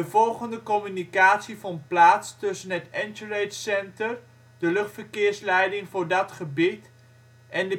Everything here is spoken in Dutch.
volgende communicatie vond plaats tussen het Anchorage Center, de luchtverkeersleiding voor dat gebied, en